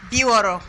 60